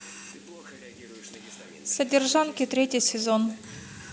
содержанки третий сезон